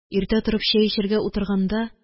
Иртә торып чәй эчәргә утырганда